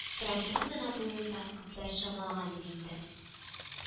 Трамплин гына булуын да күпләр чамалаган иде инде